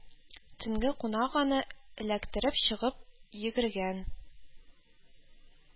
Төнге кунак аны эләктереп чыгып йөгергән